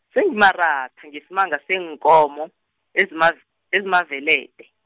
sengimaratha ngesimanga seenkomo, ezimaz- ezimavelede.